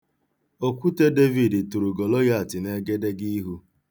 Okwute Devid tụrụ Goloyat n'egedegiihu.